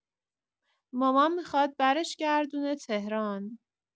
مامان می‌خواد برش گردونه تهران.